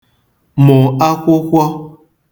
mụ ẹkwụkwọ